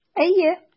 Әйе.